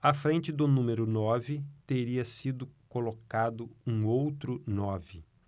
à frente do número nove teria sido colocado um outro nove